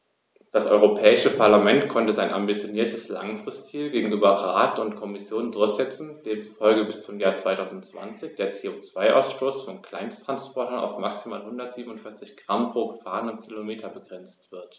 Das Europäische Parlament konnte sein ambitioniertes Langfristziel gegenüber Rat und Kommission durchsetzen, demzufolge bis zum Jahr 2020 der CO2-Ausstoß von Kleinsttransportern auf maximal 147 Gramm pro gefahrenem Kilometer begrenzt wird.